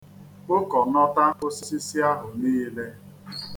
Kpokọnata osisi ahụ niile.